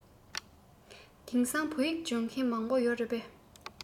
དེང སང བོད ཡིག སྦྱོང མཁན མང པོ ཡོད རེད པས